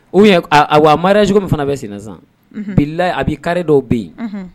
U wa mari j min fana bɛ sensan bila a bɛ kari dɔw bɛ yen